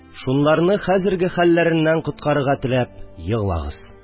Шунларны хәзерге хәлләреннән коткарырга теләп еглаңыз